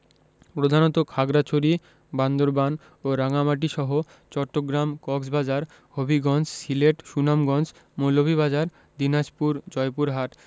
প্রধানত খাগড়াছড়ি বান্দরবান ও রাঙ্গামাটিসহ চট্টগ্রাম কক্সবাজার হবিগঞ্জ সিলেট সুনামগঞ্জ মৌলভীবাজার দিনাজপুর জয়পুরহাট